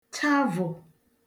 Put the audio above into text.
chavụ̀